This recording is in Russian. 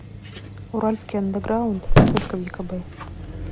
уральский андеграунд не только в екб